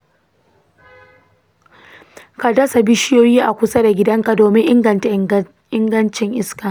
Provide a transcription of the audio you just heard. ka dasa bishiyoyi a kusa da gidanka domin inganta ingancin iska.